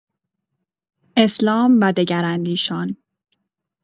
اسلام و دگراندیشان